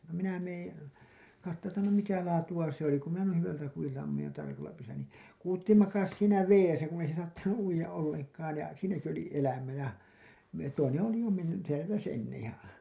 no minä menen katsomaan että no mitä laatua se oli kun minä noin hyvältä kudilta ammuin ja tarkalla pyssyllä niin kuutti makasi siinä vedessä kun ei se saattanut uida ollenkaan ja siinäkin oli elämä ja - toinen oli jo mennyt